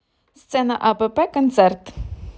стена апп концерт